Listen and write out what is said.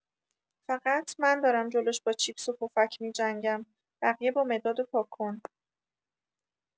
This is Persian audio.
فقط من دارم جلوش با چیپس و پفک می‌جنگم، بقیه با مداد و پاکن!